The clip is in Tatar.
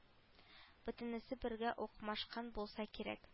Бөтенесе бергә укмашкан булса кирәк